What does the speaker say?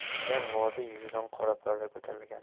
gullagan vodiy yuzidan qora parda ko'tarilgandi